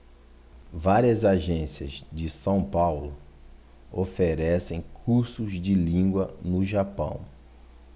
várias agências de são paulo oferecem cursos de língua no japão